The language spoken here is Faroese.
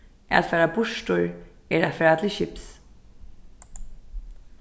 at fara burtur er at fara til skips